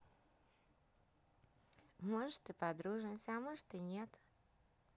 может и подружимся а может и нет